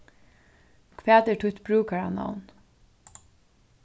hvat er títt brúkaranavn